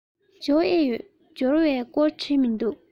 འབྱོར ཨེ ཡོད འབྱོར བའི སྐོར བྲིས མི འདུག